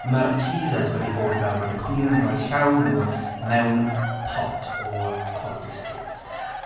Mae'r teasers wedi bod fel ma' 'na cwîn yn rhoi llaw nhw mewn pot o quality streets.